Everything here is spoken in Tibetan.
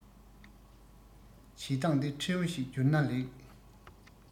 བྱེད བཏང འདི ཕྲན བུ ཞིག རྒྱུར ན ལེགས